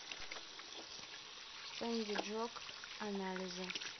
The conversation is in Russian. fendiglock анализы